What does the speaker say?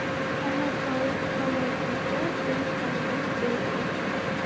ola tovuq somon sochar o'z aybini o'zi ochar